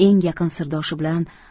eng yaqin sirdoshi bilan